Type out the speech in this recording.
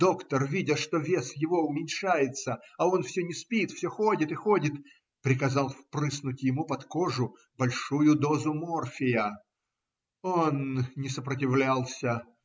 доктор, видя, что вес его уменьшается, а он все не спит и все ходит и ходит, приказал впрыснуть ему под кожу большую дозу морфия. Он не сопротивлялся